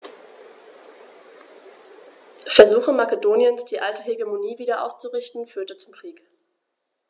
Versuche Makedoniens, die alte Hegemonie wieder aufzurichten, führten zum Krieg.